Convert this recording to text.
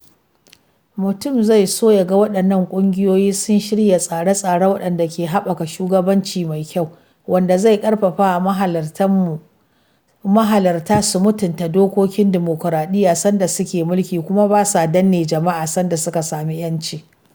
Mutum zai so ya ga waɗannan ƙungiyoyi sun shirya tsare-tsare waɗanda ke haɓaka shugabanci mai kyau, wanda zai ƙarfafawa mahalarta su mutunta dokokin dimokuradiyya sanda suke mulki, kuma ba sa danne jama'a sanda suka samu ƴanci.